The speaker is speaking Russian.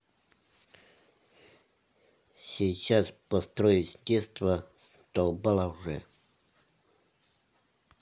сейчас построюсь детство долбала уже